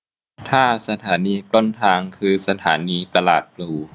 ถ้าสถานีต้นทางคือสถานีตลาดพลู